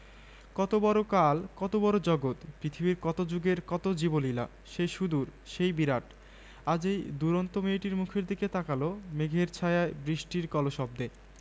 ও তাই বড় বড় চোখ মেলে নিস্তব্ধ দাঁড়িয়ে রইল যেন অনন্তকালেরই প্রতিমা